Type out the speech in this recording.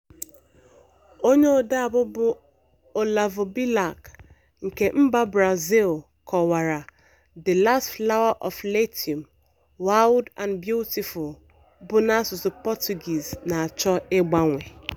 Onye odeabụ bụ Olavo Bilac, nke mba Brazil kọwara "the last flower of Latium, wild and beautiful" bụ na asụsụ Pọtụgis na-achọ ịgbanwe.